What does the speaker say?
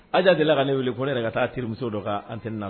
Aja delila ka ne wele fɔ ne yɛrɛ ka taa terimuso dɔ' antina